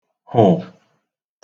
-hụ̀